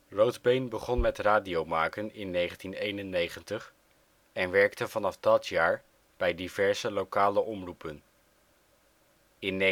Roodbeen begon met radio maken in 1991 en werkte vanaf dat jaar bij diverse lokale omroepen. In 1998